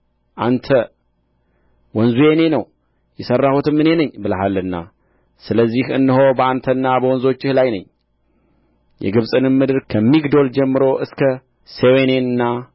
አንተ ወንዙ የእኔ ነው የሠራሁትም እኔ ነኝ ብለሃልና ስለዚህ እነሆ በአንተና በወንዞችህ ላይ ነኝ የግብጽንም ምድር ከሚግዶል ጀምሮ እስከ ሴዌኔና